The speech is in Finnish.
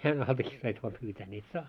jään altakin saisi vain pyytää niin että saa